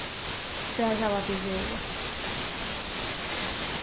hvar hava tit verið